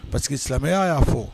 Parce que silamɛya y'a fɔ